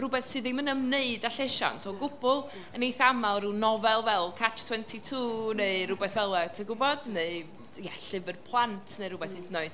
Rhywbeth sydd ddim yn ymwneud â llesion. So gwbl yn eithaf aml rhwng novel fel Catch-22 neu rhywbeth fel y, ti'n gwybod, neu llyfr plant neu rhywbeth un oed.